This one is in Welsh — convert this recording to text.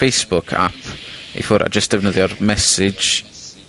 Facebook ap ei ffwr' a jyst ddefnyddio'r message